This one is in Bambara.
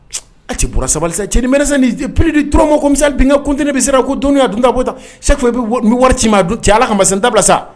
A bɔra sabali cɛ ni pdi turama ko misa denkɛkunt tɛ bɛ siran ko don a dun ta bɔ sa i bɛ bɛ wari ci ma a cɛ ala ka ma n dabila sa